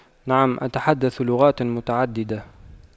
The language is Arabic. نعم أتحدث لغات متعددة